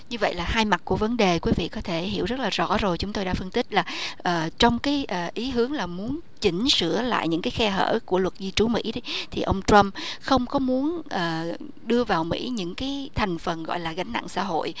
như vậy là hai mặt của vấn đề quý vị có thể hiểu rất là rõ rồi chúng tôi đã phân tích lại ở trong ký ý hướng là muốn chỉnh sửa lại những cái khe hở của luật di trú mỹ thì ông troăm không có muốn ở đưa vào mỹ những ký thành phần gọi là gánh nặng xã hội